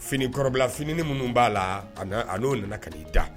Fini kɔrɔbila fini minnu b'a la ka a n'o nana ka'i da